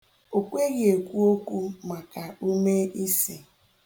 O kweghị ekwu okwu nihi umeisi.